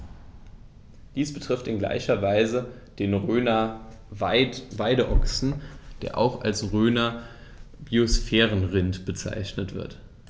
Dies betrifft in gleicher Weise den Rhöner Weideochsen, der auch als Rhöner Biosphärenrind bezeichnet wird.